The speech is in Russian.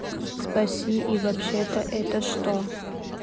спаси и вообще то это что